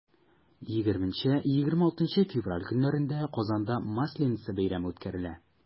20-26 февраль көннәрендә казанда масленица бәйрәме үткәрелә.